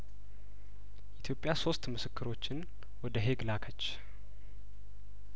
ኢትዮጵያ ሶስት ምስክሮችን ወደ ሄግ ላከች